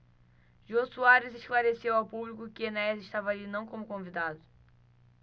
jô soares esclareceu ao público que enéas estava ali não como convidado